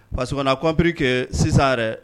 Parce qu'on a compris que sisan yɛrɛ